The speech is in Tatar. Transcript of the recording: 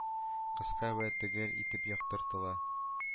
Кыска вә төгәл итеп яктыртыла